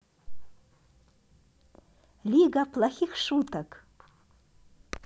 лига плохих шуток